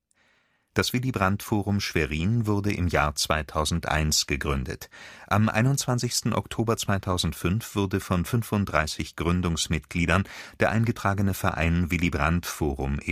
Das Willy-Brandt-Forum Schwerin wurde im Jahr 2001 gegründet. Am 21. Oktober 2005 wurde von 35 Gründungsmitgliedern der eingetragene Verein Willy-Brandt-Forum